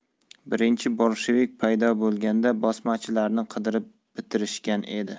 birinchi bolshevik paydo bo'lganda bosmachilarni qirib bitirishgan edi